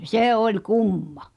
se oli kumma